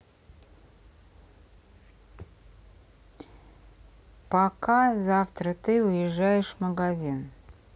пока завтра ты уезжаешь в магазин